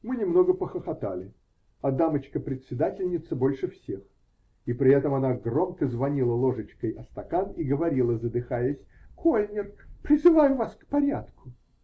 Мы немного похохотали, а дамочка-председательница больше всех, и при этом она громко звонила ложечкой о стакан и говорила, задыхаясь: -- Кольнер, призываю вас к порядку.